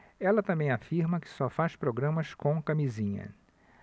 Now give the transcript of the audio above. ela também afirma que só faz programas com camisinha